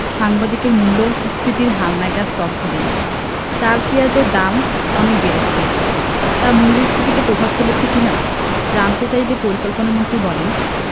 সাংবাদিকদের মূল্যস্ফীতির হালনাগাদ তথ্য দেন চাল পেঁয়াজের দাম অনেক বেড়েছে তা মূল্যস্ফীতিতে প্রভাব ফেলছে কি না জানতে চাইলে পরিকল্পনামন্ত্রী বলেন